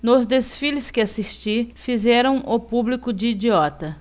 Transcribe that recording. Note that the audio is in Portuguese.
nos desfiles que assisti fizeram o público de idiota